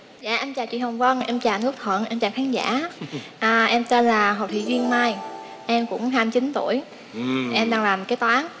dạ em chào chị hồng vân em chào anh quốc thuận em chào khán giả à em tên là hồ thị duyên mai em cũng hai chín tuổi em đang làm kế toán